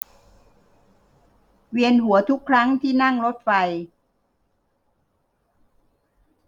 เวียนหัวทุกครั้งที่นั่งรถไฟ